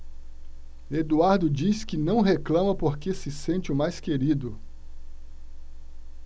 eduardo diz que não reclama porque se sente o mais querido